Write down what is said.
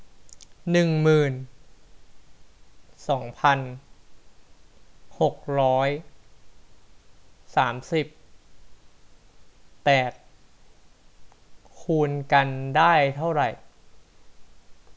หนึ่งหมื่นสองพันหกร้อยสามสิบแปดคูณกันได้เท่าไหร่